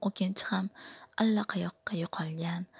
o 'kinchi ham allaqayoqqa yo'qolgan